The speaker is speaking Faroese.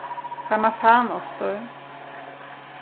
parmesanostur